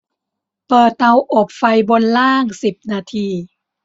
เปิดเตาอบไฟบนล่างสิบนาที